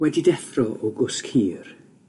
Wedi deffro o gwsg hir